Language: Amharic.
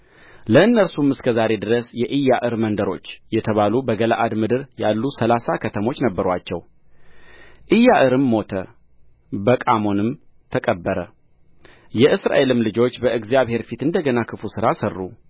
ለእነርሱም እስከ ዛሬ ድረስ የኢያዕር መንደሮች የተባሉ በገለዓድ ምድር ያሉ ሠላሳ ከተሞች ነበሩአቸው ኢያዕርም ሞተ በቃሞንም ተቀበረ የእስራኤልም ልጆች በእግዚአብሔር ፊት እንደ ገና ክፉ ሥራ ሠሩ